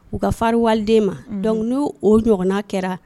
U ka farin waliden ma donc ni o o ɲɔgɔnna kɛra